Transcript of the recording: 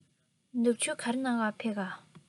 ནག ཆུར ག རེ གནང བར ཕེབས ཀ